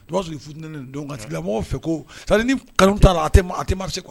Donc o b'a sɔrɔ i futinɛnen don nka a tigilamɔgɔ fɛ ko c'est à dire ni nkalon t'a la a tɛ marché quoi